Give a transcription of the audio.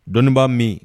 Dɔnnibaa mi